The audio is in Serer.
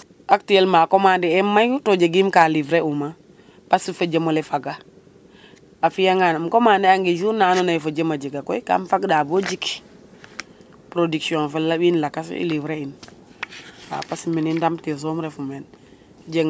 actuellement commander em mayu to jegim ka livrer uma parce fo jemole faga a fiya ngan commander anga jour na ando naye fojema jega koy kam fang ɗa bo jik production fa win lakas livrer in waw parce mene ndamtir soom refu meen